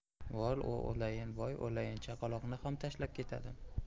voy o'layin voy o'layin chaqaloqni ham tashlab ketadimi